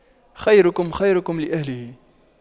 خيركم خيركم لأهله